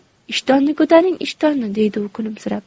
ishtonni ko'taring ishtonni deydi u kulimsirab